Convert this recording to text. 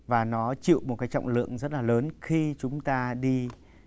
và nó chịu một cái trọng lượng rất là lớn khi chúng ta đi